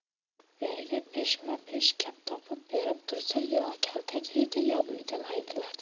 erga peshma pesh gap topib berib tursa yo kaltak yeydi yo uydan haydaladi